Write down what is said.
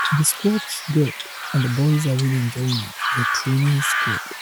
The squad's good and the boys are really enjoying it; the training's good.